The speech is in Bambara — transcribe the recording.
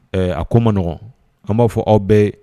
A ko man nɔgɔn an b'a fɔ aw bɛɛ